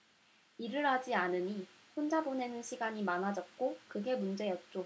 일을 하지 않으니 혼자 보내는 시간이 많아졌고 그게 문제였죠